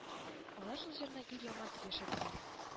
Алар шул җырны гел яңартып яшәделәр